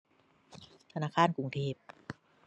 ธนาคารกรุงเทพ